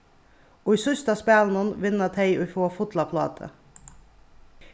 í síðsta spælinum vinna tey ið fáa fulla plátu